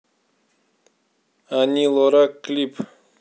ани лорак клип